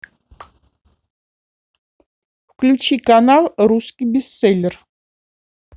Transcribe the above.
включить канал русский бестселлер